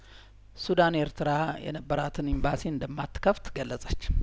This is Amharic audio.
ሱዳን ኤርትራ የነበራትን ኢምባሲ እንደማት ከፍት ገለጸች